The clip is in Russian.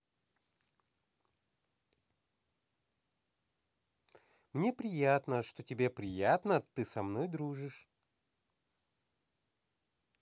мне приятно что тебе приятно ты со мной дружишь